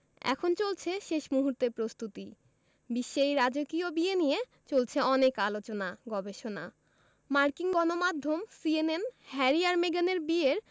এখন চলছে শেষ মুহূর্তের প্রস্তুতি বিশ্বে এই রাজকীয় বিয়ে নিয়ে চলছে অনেক আলোচনা গবেষণা মার্কিন গণমাধ্যম সিএনএন হ্যারি আর মেগানের বিয়ের